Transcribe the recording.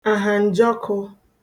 àhàǹjọkụ̄